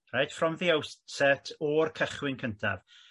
reit from the outset o'r cychwyn cyntaf.